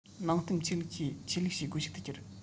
ནང བསྟན ཆོས ལུགས ཀྱི ཆོས ལུགས བྱེད སྒོ ཞིག ཏུ གྱུར